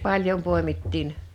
paljon poimittiin